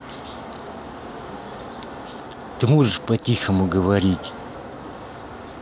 ты можешь по тихому говорить